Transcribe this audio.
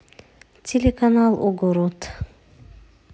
телеканал огород